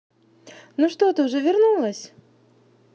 ну что ты уже вернулась